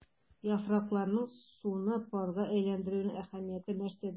Яфракларның суны парга әйләндерүнең әһәмияте нәрсәдә?